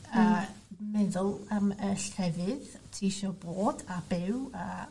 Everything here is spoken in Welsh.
a meddwl am y llefydd ti isio bod a byw a